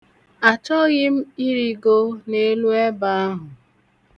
Achọghị m irịgo n'elu ebe ahụ.